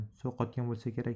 sovqotgan bo'lsa kerak